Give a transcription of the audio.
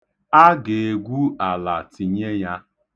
A ga-egwu ala tinye ya.